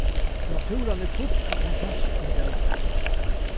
náttúran er full av fantastiskum djórum